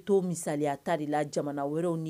to misaliya ta la jamana wɛrɛ ni